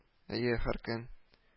Әйе. Һәр көн